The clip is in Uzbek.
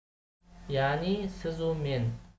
ya'ni sizu men